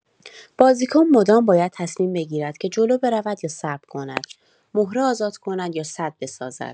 بازیکن مدام باید تصمیم بگیرد که جلو برود یا صبر کند، مهره آزاد کند یا سد بسازد.